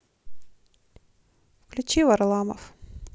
включи варламов